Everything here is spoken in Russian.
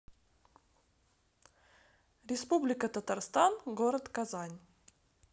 республика татарстан город казань